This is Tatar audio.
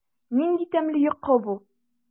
Нинди тәмле йокы бу!